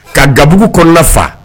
Ka gabuguugu kɔnɔna la fa